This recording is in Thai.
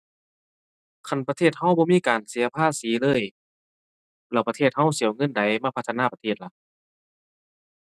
คันประเทศเราบ่มีการเสียภาษีเลย แล้วประเทศเราสิเอาเงินใดมาพัฒนาประเทศล่ะ